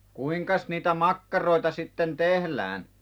kuinkas niitä makkaroita sitten tehdään